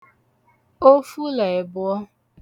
ofu là èbụ̀ọ